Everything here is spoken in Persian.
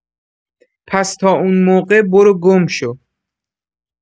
پس تا اون موقع برو گم شو